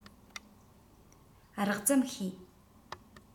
རགས ཙམ ཤེས